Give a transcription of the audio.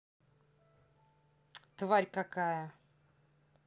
тварь какая